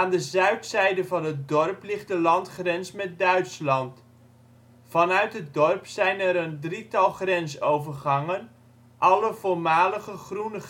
de zuidzijde van het dorp ligt de landsgrens met Duitsland. Vanuit het dorp zijn er een drietal grensovergangen, alle voormalige groene